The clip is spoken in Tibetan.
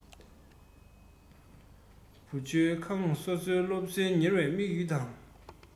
བུ བཅོལ ཁང སོ སོས སློབ གསོ གཉེར བའི དམིགས ཡུལ དང